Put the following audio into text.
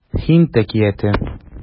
Һинд әкияте